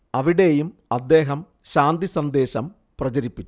അവിടെയും അദ്ദേഹം ശാന്തി സന്ദേശം പ്രചരിപ്പിച്ചു